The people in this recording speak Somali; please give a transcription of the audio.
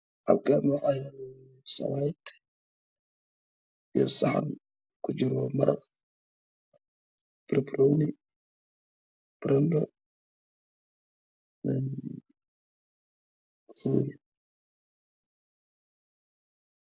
Halkaan waxaa iiga muuqdo sawaayad iyo saxan kujiro maraq. Banbanooni baradho iyo soor.